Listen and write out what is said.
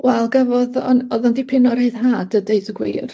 Wel, gafodd o'n o'dd o'n dipyn o ryddhad a deud y gwir.